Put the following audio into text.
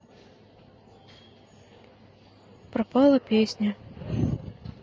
пропала песня